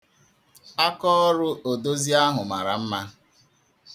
Akaọrụ odozi ahụ mara mma.